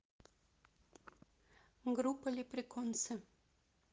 группа леприконсы